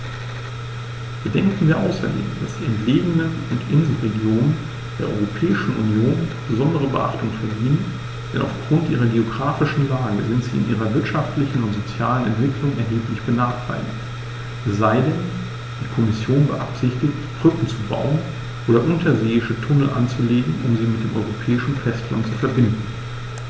Bedenken wir außerdem, dass die entlegenen und Inselregionen der Europäischen Union besondere Beachtung verdienen, denn auf Grund ihrer geographischen Lage sind sie in ihrer wirtschaftlichen und sozialen Entwicklung erheblich benachteiligt - es sei denn, die Kommission beabsichtigt, Brücken zu bauen oder unterseeische Tunnel anzulegen, um sie mit dem europäischen Festland zu verbinden.